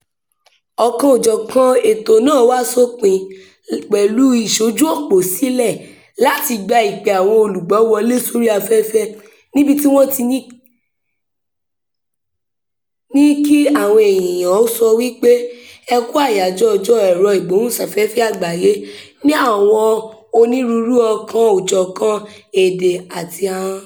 Ọ̀kan-ò-jọ̀kan ètò náà wá sópin pẹ̀lú ìṣójú òpó sílẹ̀ láti gba ìpè àwọn olùgbọ́ wọlé sórí afẹ́fẹ́, níbi tí wọ́n ti ní kí àwọn ènìyàn ó sọ wípé “ẹ kú Àyájọ́ Ọjọ́ Ẹ̀rọ-ìgbóhùnsáfẹ́fẹ́ Àgbáyé” ní àwọn onírúurú ọ̀kan-ò-jọ̀kan èdè àti ahọ́n: